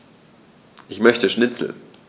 Ich möchte Schnitzel.